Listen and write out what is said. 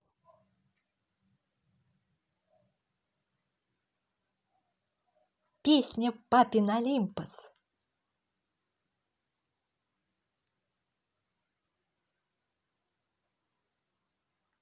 песня папин олимпос